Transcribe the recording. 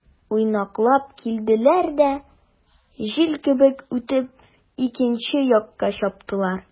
Уйнаклап килделәр дә, җил кебек үтеп, икенче якка чаптылар.